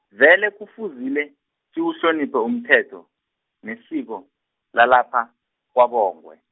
vele kufuzile, siwuhloniphe umthetho, nesiko, lalapha, kwaBongwe.